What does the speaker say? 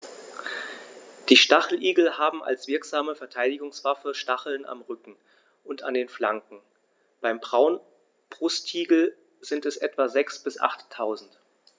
Die Stacheligel haben als wirksame Verteidigungswaffe Stacheln am Rücken und an den Flanken (beim Braunbrustigel sind es etwa sechs- bis achttausend).